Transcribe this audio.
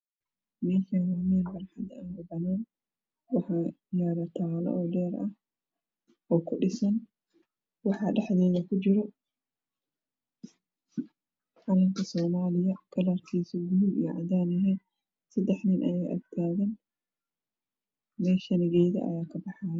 Meshanwa mel araxd ah banan ah waxaa yaka talodheer ah waxa yala waxaa ku dhisan oo dhax deeda ku jiro calanka soomalio midapkiiso puluug cadaan iyo puluug yahy sadax nin ayaa agtaagan meeshana geeda ayaa ka paxaayo